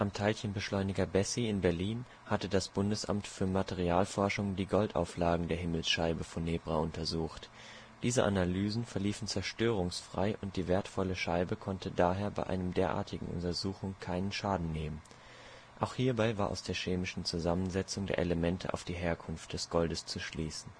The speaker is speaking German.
Teilchenbeschleuniger BESSY in Berlin hatte ja das Bundesamt für Materialforschung die Goldauflagen der Himmelsscheibe von Nebra untersucht. Diese Analysen verliefen zerstörungsfrei und die wertvolle Scheibe konnte daher bei einer derartigen Untersuchung keinen Schaden nehmen. Auch hierbei war aus der chemischen Zusammensetzung der Elemente auf die Herkunft des Goldes zu schließen